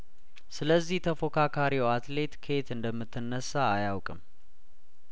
ስለዚህ ተፎካካሪው አትሌት ከየት እንደ ምትነሳ አያውቅም